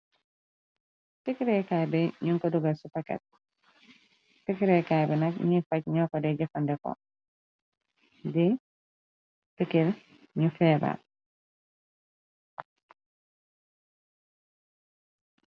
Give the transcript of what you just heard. Tëkkreekaa bi ñun kodugar su pakat tëkkreekaa bi nag ñi faj ñoo ko di jëfandeko di tikkil ñu feeraal.